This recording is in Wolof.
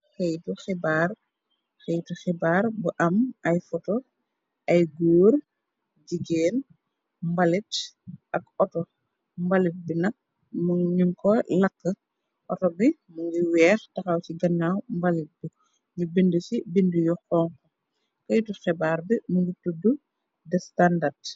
Kaytu xibaar, kaytu xibaar bu am ay poto, ay goor, jigéen, mbalit, ak ooto, mbalit bi nag ñu ko làkk, ooto bi mu ngi weex, taxaw ci ganaaw mbalit bi, ñu binde ci binde yu xonxu, këytu xebaar bi mungi tudd de standard.